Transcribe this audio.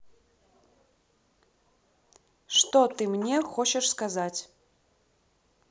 что ты мне хочешь сказать